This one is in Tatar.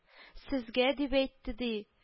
Сезгә, — дип әйтте, ди